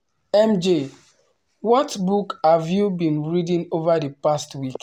MJ: What books have you been reading over the past week?